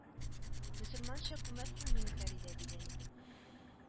Мөселманча күмәрсең мине, Фәридә , дигән иде